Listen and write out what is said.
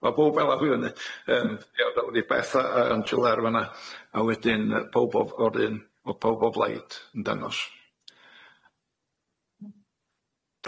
ma' powb a'i law i fyny yym iawn yy nawn ni Beth ac Angela ar fan'a a wedyn yy powb o'r un powb o blaid yn dangos.